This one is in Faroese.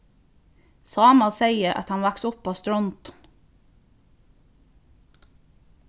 sámal segði at hann vaks upp á strondum